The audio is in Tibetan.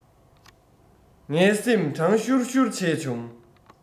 ངའི སེམས གྲང ཤུར ཤུར བྱས བྱུང